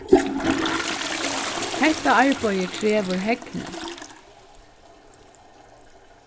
hetta arbeiðið krevur hegni